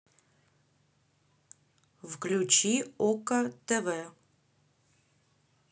включи окко тв